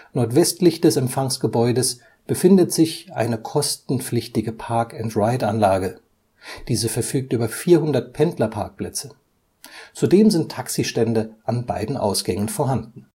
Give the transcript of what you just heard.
Nordwestlich des Empfangsgebäudes befindet sich eine kostenpflichtige Park-and-Ride-Anlage, diese verfügt über 400 Pendlerparkplätze. Zudem sind Taxistände an beiden Ausgängen vorhanden